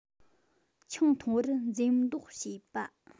ཆང འཐུང བར འཛེམ མདོག བྱེད པ